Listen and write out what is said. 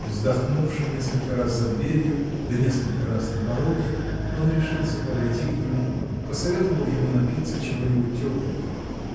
вздохнувши несколько раз за дверью да несколько раз на пороге, он решился подойти к нему, посоветовал ему напиться чего-нибудь тепленького.